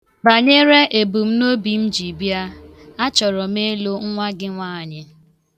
Banyere ebumnobi m ji bịa, achọrọ m ịlụ nwa gị nwaanyị.